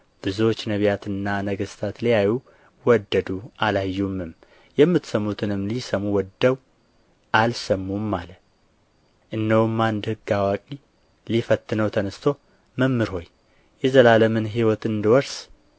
ብዙዎች ነቢያትና ነገሥታት ሊያዩ ወደዱ አላዩምም የምትሰሙትንም ሊሰሙ ወድደው አልሰሙም አለ እነሆም አንድ ሕግ አዋቂ ሊፈትነው ተነሥቶ መምህር ሆይ የዘላለምን ሕይወት እንድወርስ